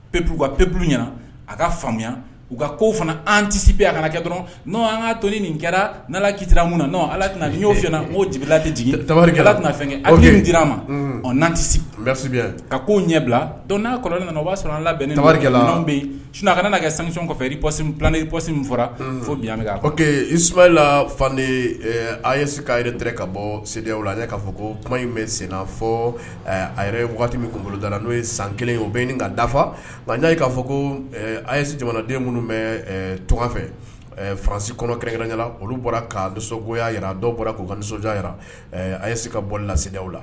Ppu ka pep ɲɛna a ka faamuya u ka ko fana an tisip yan kana kɛ dɔrɔn n' an ka toni nin kɛra n ki kun na ala tɛna y'o'la jigin tarikɛlala tɛna fɛn di' a ma n'an tɛsi ka ko ɲɛ bila dɔn n'a kɔrɔlɔn nana b'a sɔrɔ labɛn tari an bɛ sun kana na kɛ sanmi kɔfɛsi i psi fara fo miyan i sula fan a yese ka yɛrɛ ka bɔ senw la a'a fɔ ko kuma in bɛ sen fɔ a waati minda n'o ye san kelen ye o bɛ dafa n'a jira k'a fɔ ko an yese jamanaden minnu bɛ toga fɛ faransi kɔnɔkɛrɛn olu bɔra ka don nisɔngoya jira dɔw bɔra k'u ka nisɔndiya jira a yese ka bɔ law la